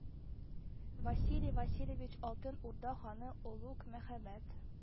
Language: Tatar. Василий Васильевич Алтын Урда ханы Олуг Мөхәммәд